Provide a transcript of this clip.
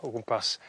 o gwmpas